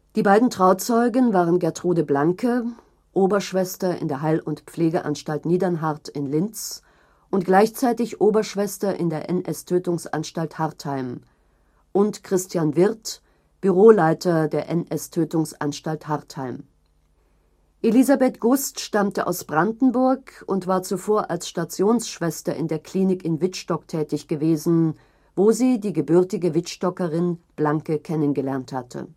Die beiden Trauzeugen waren Gertrude Blanke, Oberschwester in der Heil - und Pflegeanstalt Niedernhart in Linz und gleichzeitig Oberschwester in der NS-Tötungsanstalt Hartheim, und Christian Wirth, Büroleiter der NS-Tötungsanstalt Hartheim. Elisabeth Gust stammte aus Brandenburg und war zuvor als Stationsschwester in der Klinik in Wittstock tätig gewesen, wo sie die gebürtige Wittstockerin Blanke kennengelernt hatte